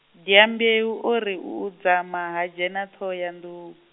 dyambeu o ri u dzama ha dzhena Ṱhohoyanḓou.